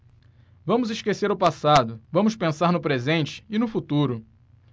vamos esquecer o passado vamos pensar no presente e no futuro